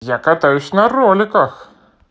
я катаюсь на роликах